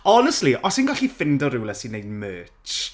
Honestly os fi'n gallu ffindo rywle sy'n wneud merch.